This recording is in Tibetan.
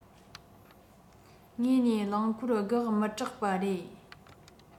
དངོས ནས རླངས འཁོར འགག མི སྐྲག པ རེད